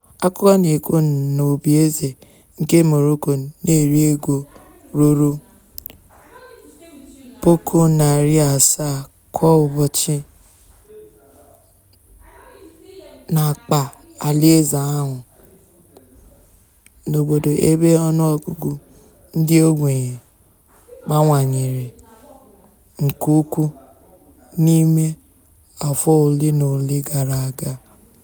Akụkọ na-ekwu na obíeze nke Morocco na-eri ego ruru 700,000 kwa ụbọchị n'akpa alaeze ahụ, n'obodo ebe ọnụọgụgụ ndị ogbenye bawanyere nke ukwuu n'ime afọ ole na ole gara aga.